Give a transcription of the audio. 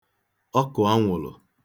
ọkụ̀anwụ̀lụ̀